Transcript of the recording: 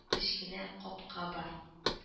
Кечкенә капка бар